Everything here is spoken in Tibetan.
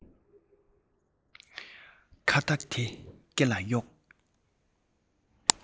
ཁ བཏགས དེ སྐེ ལ གཡོགས